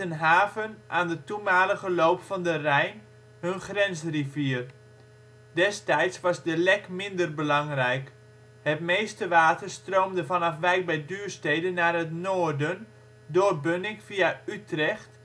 haven aan de toenmalige loop van de Rijn, hun grensrivier. Destijds was de Lek minder belangrijk. Het meeste water stroomde vanaf Wijk bij Duurstede naar het noorden, door Bunnik via Utrecht